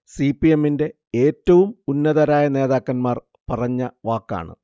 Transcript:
C. P. എമ്മിന്റെ ഏറ്റവും ഉന്നതരായ നേതാക്കന്മാർ പറഞ്ഞ വാക്കാണ്